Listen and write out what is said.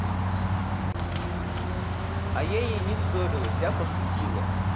а я ей не ссорилась я пошутила